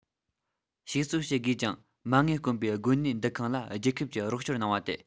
ཞིག གསོ བྱེད དགོས ཀྱང མ དངུལ དཀོན པའི དགོན གནས འདུ ཁང ལ རྒྱལ ཁབ ཀྱིས རོགས སྐྱོར གནང བ སྟེ